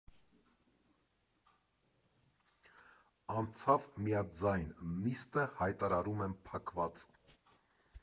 Անցավ միաձայն, Նիստը հայտարարում եմ փակված։